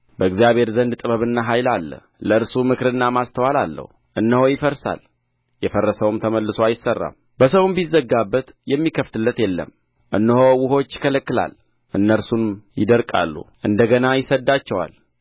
በእግዚአብሔር ዘንድ ጥበብና ኃይል አለ ለእርሱ ምክርና ማስተዋል አለው እነሆ ይፈርሳል የፈረሰውም ተመልሶ አይሠራም በሰውም ቢዘጋበት የሚከፍትለት የለም እነሆ ውኆቹን ይከለክላል እነርሱም ይደርቃሉ እንደ ገና ይሰድዳቸዋል